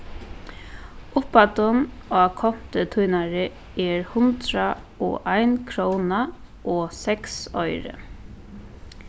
upphæddin á kontu tínari er hundrað og ein króna og seks oyru